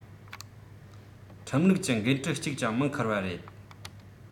ཁྲིམས ལུགས གྱི འགན འཁྲི གཅིག ཀྱང མི འཁུར བ རེད